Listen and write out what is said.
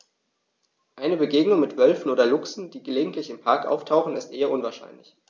Eine Begegnung mit Wölfen oder Luchsen, die gelegentlich im Park auftauchen, ist eher unwahrscheinlich.